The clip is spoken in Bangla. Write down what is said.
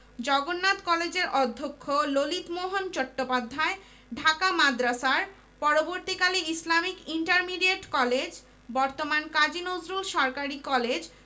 একটি প্রতিনিধিদল ১৯১২ সালের ১৬ ফেব্রুয়ারি ভাইসরয়ের সঙ্গে সাক্ষাৎ করে এ আশঙ্কা প্রকাশ করেন যে